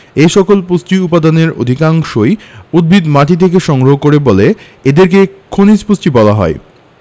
এসকল পুষ্টি উপাদানের অধিকাংশই উদ্ভিদ মাটি থেকে সংগ্রহ করে বলে এদেরকে খনিজ পুষ্টি বলা হয়